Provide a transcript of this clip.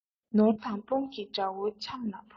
ནོར དང དཔུང གིས དགྲ བོ ཆམ ལ ཕོབ